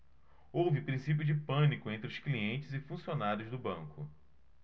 houve princípio de pânico entre os clientes e funcionários do banco